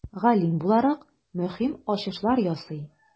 Галим буларак, мөһим ачышлар ясый.